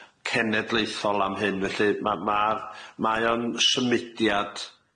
cenedlaethol am hyn, felly ma' ma'r mae o'n symudiad